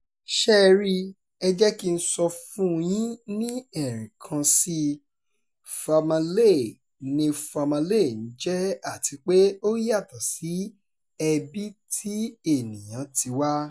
Ṣé ẹ rí i , ẹ jẹ́ kí n sọ fún un yín ní ẹ̀rìnkan sí i, famalay ni famalay ń jẹ́ àti pé ó yàtọ̀ sí ẹbí tí ènìyàn ti wá